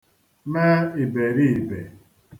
me ìbèribè